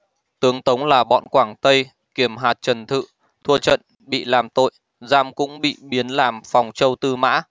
tướng tống là bọn quảng tây kiềm hạt trần thự thua trận bị làm tội giam cũng bị biếm làm phòng châu tư mã